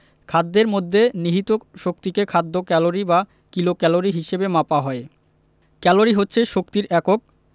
খাদ্যের মধ্যে নিহিত শক্তিকে খাদ্য ক্যালরি বা কিলোক্যালরি হিসেবে মাপা হয় ক্যালরি হচ্ছে শক্তির একক